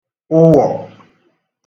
ụwọ̀